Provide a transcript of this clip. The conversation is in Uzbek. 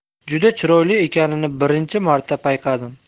juda chiroyli ekanini birinchi marta payqadim